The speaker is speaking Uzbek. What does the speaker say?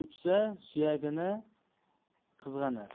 uchsa suyagini qizg'anar